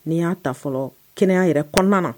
N'i y'a ta fɔlɔ kɛnɛya yɛrɛ kɔnɔna na